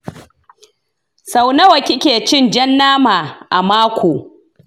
sau nawa kike cin jan nama a mako?